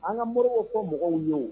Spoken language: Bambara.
An ka moriw m'o fɔ mɔgɔw ye o.